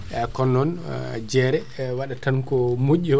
eyyi kono non jeere waɗat ko moƴƴi